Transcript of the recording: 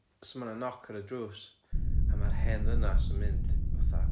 So ma' 'na knock ar y drws a ma'r hen ddynas yn mynd fatha